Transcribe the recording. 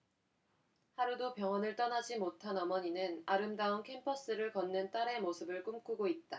하루도 병원을 떠나지 못한 어머니는 아름다운 캠퍼스를 걷는 딸의 모습을 꿈꾸고 있다